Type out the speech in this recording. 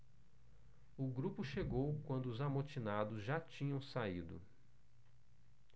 o grupo chegou quando os amotinados já tinham saído